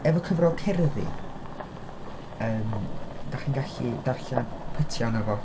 Efo cyfrol cerddi yym dach chi'n gallu darllen pytiau ohono fo...